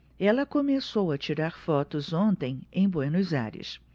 ela começou a tirar fotos ontem em buenos aires